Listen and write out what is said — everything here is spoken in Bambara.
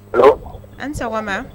An sɔgɔma